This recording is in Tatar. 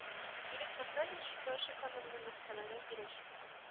Ирек Мортазин чикләүче канунны мәхкәмәгә бирәчәк